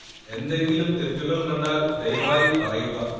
എന്തെങ്കിലും തെറ്റുകൾ കണ്ടാൽ ദയവായി പറയുക